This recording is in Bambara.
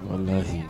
Ofin